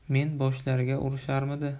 men boshlariga urisharmidi